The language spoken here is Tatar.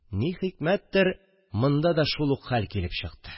Ни хикмәттер, монда да шул ук хәл чыкты